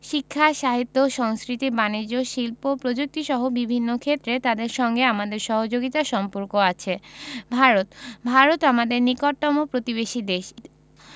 শিক্ষা সাহিত্য সংস্কৃতি বানিজ্য শিল্প প্রযুক্তিসহ বিভিন্ন ক্ষেত্রে তাদের সঙ্গে আমাদের সহযোগিতার সম্পর্ক আছে ভারতঃ ভারত আমাদের নিকটতম প্রতিবেশী দেশ